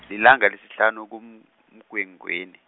lilanga lesihlanu kuM- -Mngwengweni.